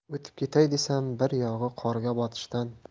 o'tib ketay desam bir yog'i qorga botishdan